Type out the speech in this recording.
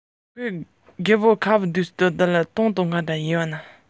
བྱིལ བྱིལ བྱེད ཞོར རང གི སེམས གཏམ